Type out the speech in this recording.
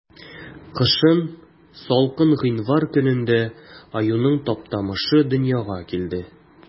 Кышын, салкын гыйнвар көнендә, аюның Таптамышы дөньяга килде.